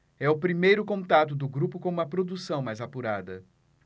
é o primeiro contato do grupo com uma produção mais apurada